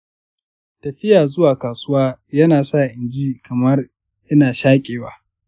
tafiya zuwa kasuwa yana sa ni jin kamar ina shaƙewa.